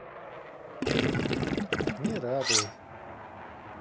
нет радует